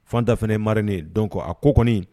Fanta fana ye maririnen don kɔ a ko kɔni